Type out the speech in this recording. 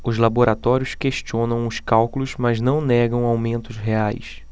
os laboratórios questionam os cálculos mas não negam aumentos reais